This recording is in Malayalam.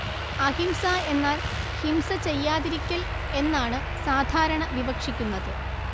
അഹിംസ എന്നാൽ ഹിംസ ചെയ്യാതിരിക്കൽ എന്നാണ് സാധാരണ വിവക്ഷിക്കുന്നത്